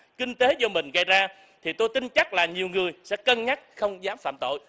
kinh tế do mình gây ra thì tôi tin chắc là nhiều người sẽ cân nhắc không dám phạm tội